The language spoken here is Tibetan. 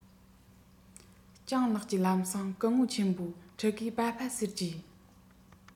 སྤྱང ལགས ཀྱིས ལམ སེང སྐུ ངོ ཆེན མོ ཕྲུ གུས པྰ ཕ ཟེར གྱིས